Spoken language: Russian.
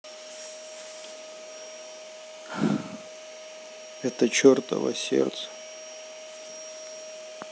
это чертово сердце